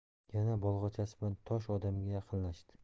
yana bolg'achasi bilan tosh odamga yaqinlashdi